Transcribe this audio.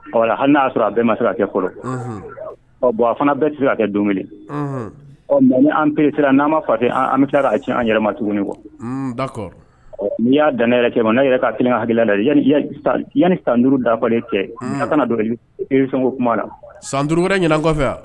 An n' y'a sɔrɔ a bɛɛ ma se fɔlɔ bɔn a fana bɛɛ kɛ don ɔ mɛ ni an pesira n'an ma fa tɛ an bɛ taa a tiɲɛ an yɛrɛma tuguni wa ba n'i y'a dan ne yɛrɛ cɛ ma ne yɛrɛ ka kelen a hakiliki la yanani san duuru dafafɔlen cɛ ka kana donsɔnko kuma na san duuruuru wɛrɛ ɲ kɔfɛ